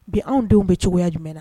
Bi anw denw bɛ cogoyaya jumɛn na?